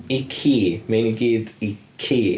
I ci. Ma' rhein i gyd i ci.